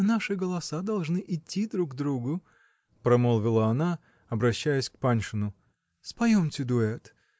-- Наши голоса должны идти друг к другу, -- промолвила она, обращаясь к Паншину, -- споемте дуэт.